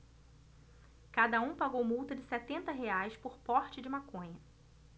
cada um pagou multa de setenta reais por porte de maconha